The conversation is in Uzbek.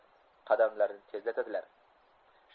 qadamlarini tezlatadilar